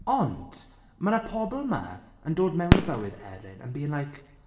Ond ma' 'na pobl 'ma yn dod mewn i bywyd Erin and being like